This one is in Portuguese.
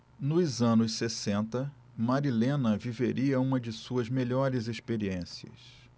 nos anos sessenta marilena viveria uma de suas melhores experiências